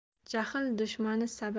jahl dushmani sabr